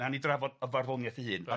Nawn ni drafod y farddoniaeth ei hun.